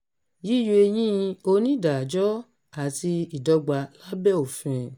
Yíyọ-eyín onídàájọ́ àti ìdọ́gba lábẹ́ òfin